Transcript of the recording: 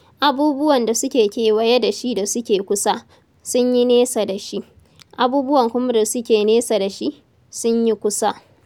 Abubuwan da suke kewaye da shi da suke kusa, sun yi nesa da shi, abubuwan kuma da suke nesa da shi, sun yi kusa.